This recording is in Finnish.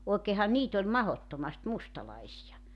oikeinhan niitä oli mahdottomasti mustalaisia